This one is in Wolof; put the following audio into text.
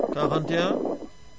41